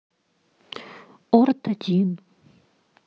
орт один